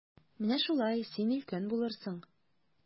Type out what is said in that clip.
Менә шулай, син өлкән булырсың.